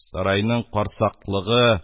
Сарайның карсаклыгы